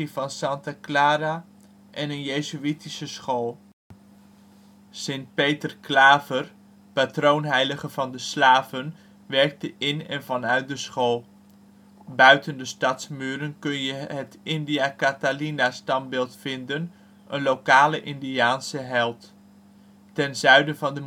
van Santa Clara en een Jezuïtische school. Sint Peter Claver, patroonheilige van de slaven, werkte in en vanuit de school. Buiten de stadsmuren, kun je het " India Catalina " standbeeld vinden, een lokale Indiaanse held Ten zuiden van de